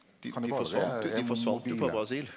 dei forsvann jo frå Brasil.